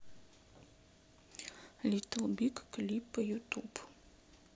литл биг клипы ютуб